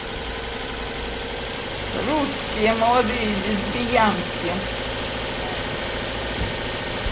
русские молодые лесбиянки